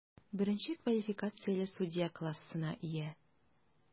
Беренче квалификацияле судья классына ия.